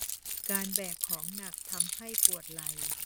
การแบกของหนักทำให้ปวดไหล่